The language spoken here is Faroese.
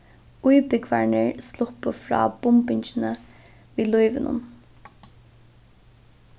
íbúgvarnir sluppu frá bumbingini við lívinum